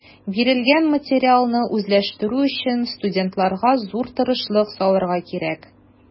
Бирелгән материалны үзләштерү өчен студентларга зур тырышлык салырга кирәк.